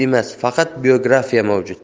emas faqat biografiya mavjud